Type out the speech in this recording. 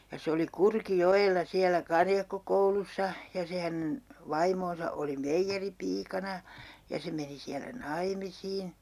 ja se oli Kurkijoella siellä karjakkokoulussa ja se hänen vaimonsa oli meijeripiikana ja se meni siellä naimisiin